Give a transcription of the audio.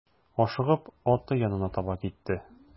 Ашыгып аты янына таба китте.